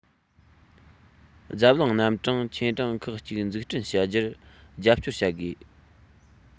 རྫབ རླངས རྣམ གྲངས ཆེ འབྲིང ཁག གཅིག འཛུགས སྐྲུན བྱ རྒྱུར རྒྱབ སྐྱོར བྱ དགོས